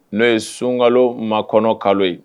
N'o ye sun nkalon ma kɔnɔ kalo ye